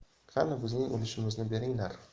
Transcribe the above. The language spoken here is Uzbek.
qani bizning ulushimizni beringlar